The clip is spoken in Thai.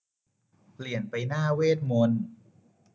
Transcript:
เปลี่ยนไปหน้าเวทมนตร์